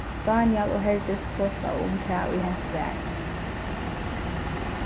dánjal og herdis tosaðu um tað ið hent var